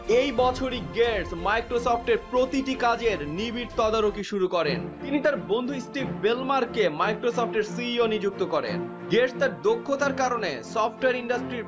এই বছরই গেটস মাইক্রোসফট-এর প্রতিটি কাজের নিবিড় তদারকি শুরু করেন তিনি তার বন্ধু স্টিভ বেল মার্ক কে মাইক্রোসফট-এর সিইও নিযুক্ত করেন গেটস তার দক্ষতার কারণে সফটওয়্যার ইন্ডাস্ট্রি